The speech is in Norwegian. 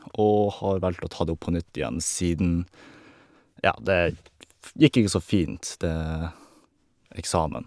Og har valgt å ta det opp på nytt igjen siden, ja, det f gikk ikke så fint, det eksamen.